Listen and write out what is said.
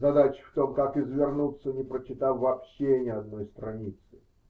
Задача в том, как извернуться, не прочитав вообще ни одной страницы.